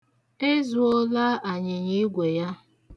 Ezuola anyịnyiigwe ya.